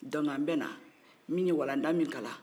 dɔnki an bɛ na min ye walanda min kalan